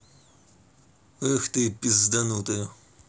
эх ты пизданутая